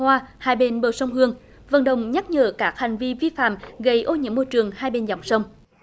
hoa hai bên bờ sông hương vận động nhắc nhở các hành vi vi phạm gây ô nhiễm môi trường hai bên dòng sông